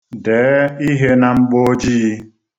Dee ihe na mgboojii.